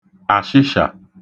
àshịshà